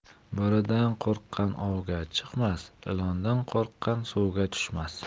bo'ridan qo'rqqan ovga chiqmas ilondan qo'rqqan suvga tushmas